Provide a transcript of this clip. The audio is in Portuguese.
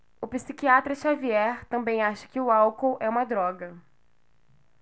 o psiquiatra dartiu xavier também acha que o álcool é uma droga